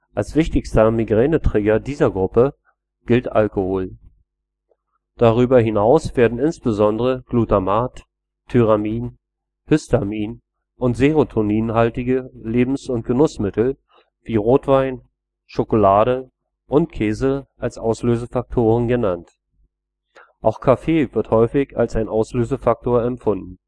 Als wichtigster Migränetrigger dieser Gruppe gilt Alkohol. Darüber hinaus werden insbesondere glutamat -, tyramin -, histamin - und serotoninhaltige Lebens - und Genussmittel, wie Rotwein, Schokolade und Käse als Auslösefaktoren genannt. Auch Kaffee wird häufig als ein Auslösefaktor empfunden